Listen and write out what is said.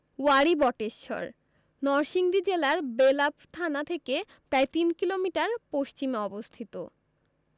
ওয়ারী বটেশ্বর নরসিংদী জেলার বেলাব থানা থেকে প্রায় তিন কিলোমিটার পশ্চিমে অবস্থিত